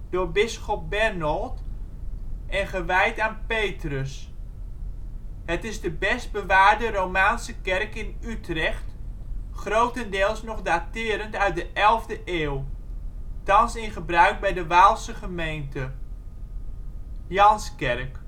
door bisschop Bernold, en gewijd aan Petrus. Het is de best bewaarde romaanse kerk in Utrecht, grotendeels nog daterend uit de elfde eeuw. Thans in gebruik bij de Waalse gemeente. Janskerk